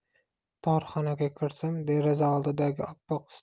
tor xonaga kirsam deraza oldidagi oppoq